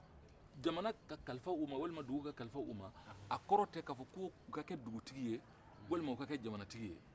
jamana ka kalifa o walima dugu ka kalifa o ma a kɔrɔ tɛ k'a fɔ k'u ka kɛ dugutigi ye walima u ka jamana tigi ye